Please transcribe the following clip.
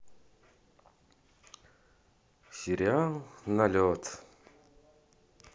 сериал налет